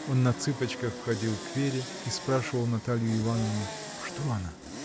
Он на цыпочках входил к Вере и спрашивал Наталью Ивановну: что она?